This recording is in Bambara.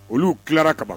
Oluu tilara kamaban